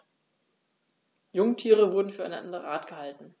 Jungtiere wurden für eine andere Art gehalten.